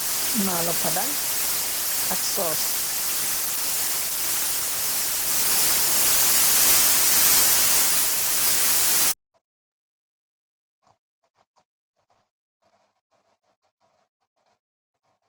Maalo padañg ak soos